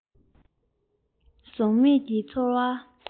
གཟུགས མེད ཀྱི ཚོར བ